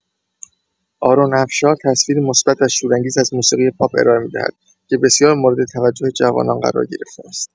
آرون افشار تصویری مثبت و شورانگیز از موسیقی پاپ ارائه می‌دهد که بسیار مورد توجه جوانان قرار گرفته است.